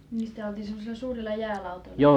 niin sitä oltiin semmoisilla suurilla jäälautoilla